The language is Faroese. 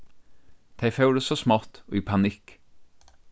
tey fóru so smátt í panikk